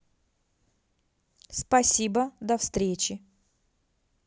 спасибо до встречи